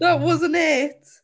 That wasn't it.